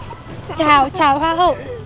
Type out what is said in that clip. chào chào hoa hậu